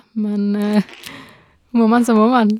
Men må man så må man.